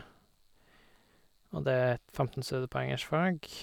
Og det er et femten studiepoengs fag.